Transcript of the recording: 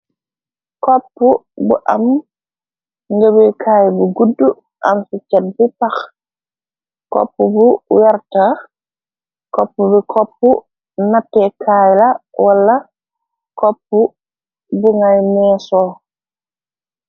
Kopp bu am ngëbu kaay bu gudd amsi cet bi pax kopp bu werta kopp bi kopp nake kaayla wala kopp bu ngay meeso.